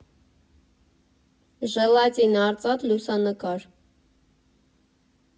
Ժելատին արծաթ լուսանկար։